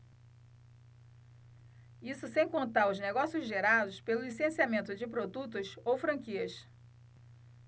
isso sem contar os negócios gerados pelo licenciamento de produtos ou franquias